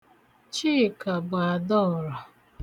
Chika bụ adaọra.